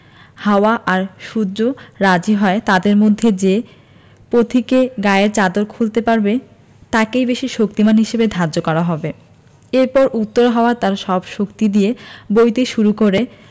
হাওয়া আর সূর্য রাজি হয় তাদের মধ্যে যে পথিকে গায়ের চাদর খোলতে পারবে তাকেই বেশি শক্তিমান হিসেবে ধার্য করা হবে এরপর উত্তর হাওয়া তার সব শক্তি দিয়ে বইতে শুরু করে